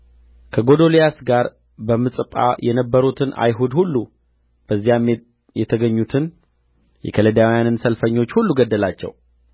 ከጎዶልያስ ጋር በምጽጳ የነበሩትን አይሁድ ሁሉ በዚያም የተገኙትን የከለዳውያንን ሰልፈኞች ሁሉ ገደላቸው